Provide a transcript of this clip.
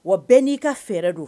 Wa bɛɛ n'i ka fɛɛrɛ don